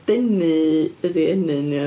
Dennu ydi ennyn ia?